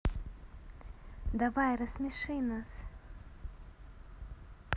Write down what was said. давай рассмеши нас